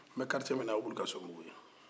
n bɛ karicɛ min o ye bulukasobugu ye